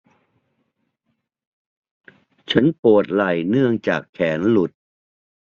ฉันปวดไหล่เนื่องจากแขนหลุด